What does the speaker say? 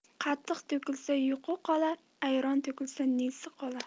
qatiq to'kilsa yuqi qolar ayron to'kilsa nesi qolar